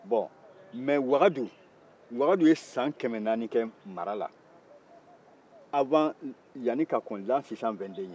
bon mɛ wagadu wagadu ye san kɛmɛ naani kɛ marala ka kɔn lan sisisan wɛnde ɲɛ